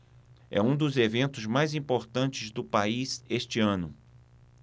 é um dos eventos mais importantes do país este ano